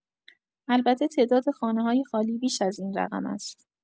البته تعداد خانه‌های خالی بیش از این رقم است.